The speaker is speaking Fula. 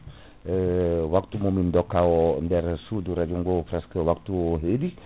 waptu mo min dokka o nder suudu radio ngo presque waptu o heedi